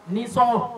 Ni sɔngɔ